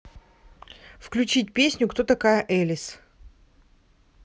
включить песню кто такая элис